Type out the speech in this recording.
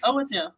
O, ydi o?